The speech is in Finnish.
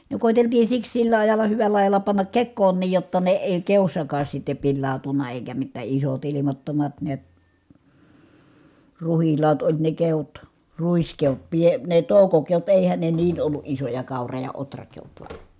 ne koeteltiin siksi sillä ajalla hyvällä ajalla panna kekoonkin jotta ne ei keossakaan sitten pilaantunut eikä mitään isot ilmattomat näet ruhilaat oli ne keot ruiskeot - ne toukokeot eihän ne niin ollut isoja kaura ja ohrakeot vaan